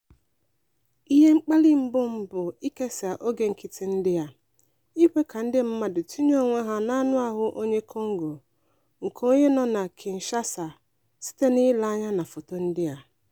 Ihe mkpali mbụ m bụ ikesa oge nkịtị ndị a, ikwe ka ndị mmadụ tinye onwe ha n'anụahụ onye Congo, nke onye nọ na Kinshasa, site n'ile anya na foto ndị a.